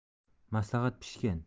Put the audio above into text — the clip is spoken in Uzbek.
maslahat pishgan